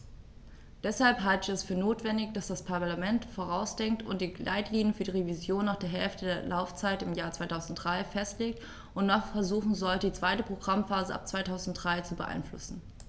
Deshalb halte ich es für notwendig, dass das Parlament vorausdenkt und die Leitlinien für die Revision nach der Hälfte der Laufzeit im Jahr 2003 festlegt und noch versuchen sollte, die zweite Programmphase ab 2003 zu beeinflussen.